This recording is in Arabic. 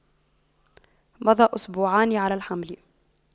مضى أسبوعان على الحمل